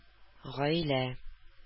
Гаилә